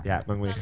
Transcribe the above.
Ie, mae'n wych.